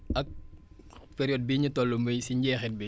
ak période bii ñu toll muy si njeexit bi